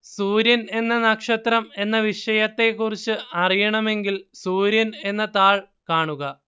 സൂര്യന്‍ എന്ന നക്ഷത്രം എന്ന വിഷയത്തെക്കുറിച്ച് അറിയണമെങ്കില് സൂര്യന്‍ എന്ന താള്‍ കാണുക